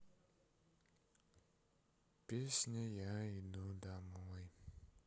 песня я иду домой